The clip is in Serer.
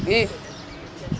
i